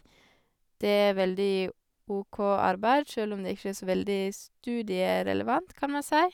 Det er veldig OK arbeid sjøl om det ikke er så veldig studierelevant, kan man si.